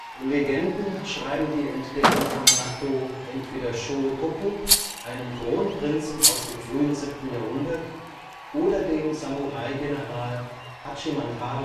Legenden schreiben die Entdeckung von Nattō entweder Shōtoku, einem Kronprinzen aus dem frühen 7. Jahrhundert, oder dem Samurai-General Hachimantarō